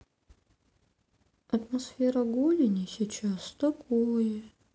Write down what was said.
атмосфера голени сейчас такое